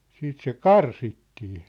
sitten se karsittiin